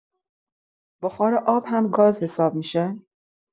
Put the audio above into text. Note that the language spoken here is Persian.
بخار آب هم گاز حساب می‌شه؟